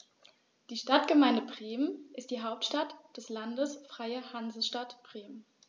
Die Stadtgemeinde Bremen ist die Hauptstadt des Landes Freie Hansestadt Bremen.